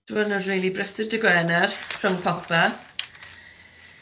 Dwrnod rili brysur dy' gwener rhwng popeth.